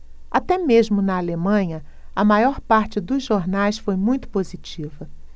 até mesmo na alemanha a maior parte dos jornais foi muito positiva